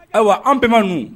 Ayiwa an bɛnba ninnu